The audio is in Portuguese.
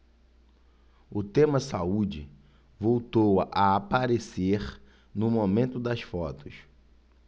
o tema saúde voltou a aparecer no momento das fotos